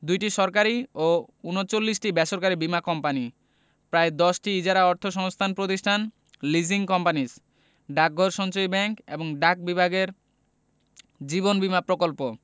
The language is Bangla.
২টি সরকারি ও ৩৯টি বেসরকারি বীমা কোম্পানি প্রায় ১০টি ইজারা অর্থসংস্থান প্রতিষ্ঠান লিজিং কোম্পানিস ডাকঘর সঞ্চয়ী ব্যাংক এবং ডাক বিভাগের জীবন বীমা প্রকল্প